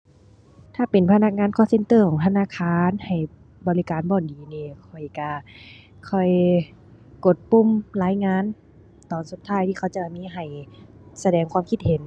ถ้าเป็นพนักงาน call center ของธนาคารให้บริการบ่ดีนี่ ข้อยก็ค่อยกดปุ่มรายงาน ตอนสุดท้ายที่เขาจะมีให้แสดงความคิดเห็น